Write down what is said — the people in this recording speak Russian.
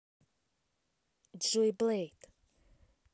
джой блейд